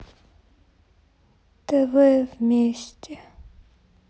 тв вместе